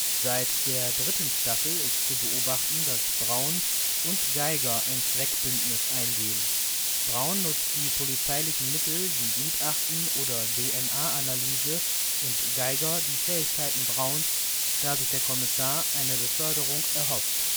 Seit der dritten Staffel ist zu beobachten, dass Braun und Geiger ein Zweckbündnis eingehen. Braun nutzt die polizeilichen Mittel wie Gutachten oder DNA-Analyse und Geiger die Fähigkeiten Brauns, da sich der Kommissar eine Beförderung erhofft